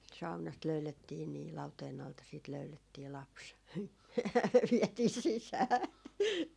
saunasta löydettiin niin lauteen alta sitten löydettiin lapsi vietiin sisään